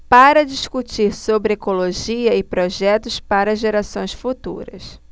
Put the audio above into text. para discutir sobre ecologia e projetos para gerações futuras